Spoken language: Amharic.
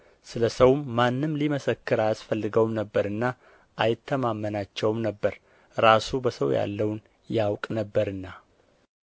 ስለ ሰውም ማንም ሊመሰክር አያስፈልገውም ነበርና አይተማመናቸውም ነበር ራሱ በሰው ያለውን ያውቅ ነበርና